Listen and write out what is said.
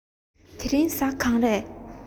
དེ རིང གཟའ གང རས